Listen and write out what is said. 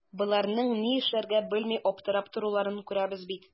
Боларның ни эшләргә белми аптырап торуларын күрәбез бит.